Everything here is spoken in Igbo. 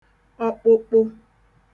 ọkpụkpụ